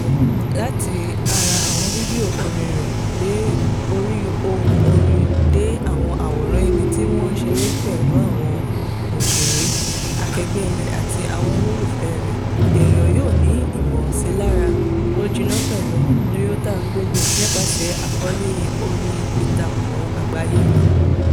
Láti ara àwọn fídíò orin rẹ̀ dé orí ohùn orin dé àwọn àwòrán ibi tí ó tí ń ṣeré pẹ̀lú àwọn olórin akẹgbẹ́ rẹ̀ àti àwọn olólùfẹ́ rẹ̀, èèyàn yóò ní ìmọ̀sílára tó jiná pẹ̀lú Nyota Ndogo nípasẹ̀ àkọ́ọ́lẹ̀ orí ìtàkùn àgbáyé rẹ̀.